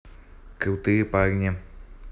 крутые парни